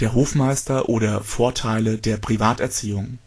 Hofmeister oder Vorteile der Privaterziehung